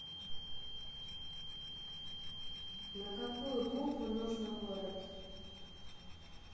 на какую букву нужно город